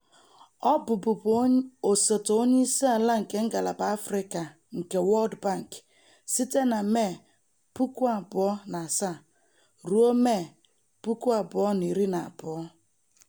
Ọ bụbukwa osote onyeisiala nke ngalaba Afịrịka nke World Bank site na Mee 2007 ruo Mee 2012.